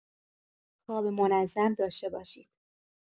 خواب منظم داشته باشید.